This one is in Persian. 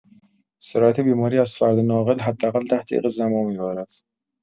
سرایت بیماری از فرد ناقل حداقل ۱۰ دقیقه زمان می‌برد.